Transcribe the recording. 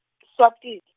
Swatini.